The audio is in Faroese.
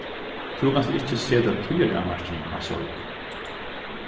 tú kanst ikki seta tíðaravmarking á sorg